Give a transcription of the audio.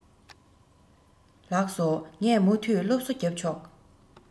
ལགས སོ ངས མུ མཐུད སློབ གསོ རྒྱབ ཆོག